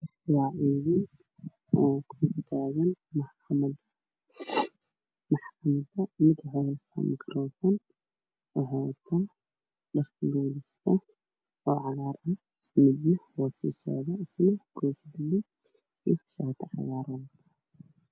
Waa wiilal hortaagan maxkamad. Mid waxuu wataa makaroofan waxuu wataa dharka booliska oo cagaar ah midna waa sii socdaa waxuu wataa koofi buluug ah iyo shaati cagaar ah.